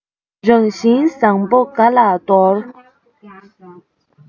རང བཞིན བཟང པོ ག ལ འདོར